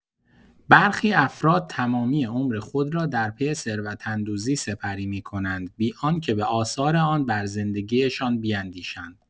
برخی افراد تمامی عمر خود را در پی ثروت‌اندوزی سپری می‌کنند، بی‌آنکه به آثار آن بر زندگی‌شان بیندیشند.